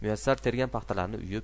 muyassar tergan paxtalarini uyib